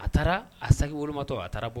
A taara a sago wolomatɔ a taara bɔ